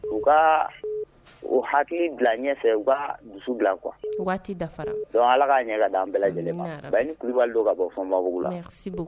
U ka u hakili bila ɲɛfɛ u ka dusu bila kuwa waati dafa ala k'a ɲɛ ka da bɛɛ lajɛlen ni'a don ka bɔ fɔ nbabugu la